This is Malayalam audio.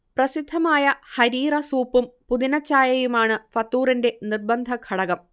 പ്രസിദ്ധമായ 'ഹരീറ' സൂപ്പും പുതിനച്ചായയുമാണ് ഫതൂറിന്റെ നിർബന്ധ ഘടകം